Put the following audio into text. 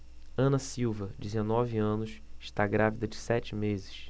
ana silva dezenove anos está grávida de sete meses